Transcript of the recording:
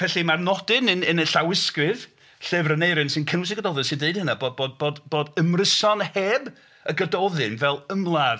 Felly ma'r nodyn yn yn y llawysgrif llyfr Aneurin sy'n cynnwys Y Gododdin sy'n deud hynna, bod bod bod bod ymryson heb y Gododdin fel ymladd.